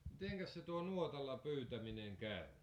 mitenkäs se tuo nuotalla pyytäminen käy